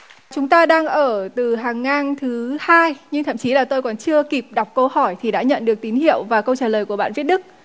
chúng ta đang ở từ hàng ngang thứ hai nhưng thậm chí là tôi còn chưa kịp đọc câu hỏi thì đã nhận được tín hiệu và câu trả lời của bạn viết đức